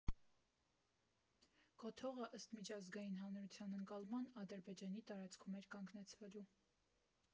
Կոթողը, ըստ միջազգային հանրության ընկալման, Ադրբեջանի տարածքում էր կանգնեցվելու։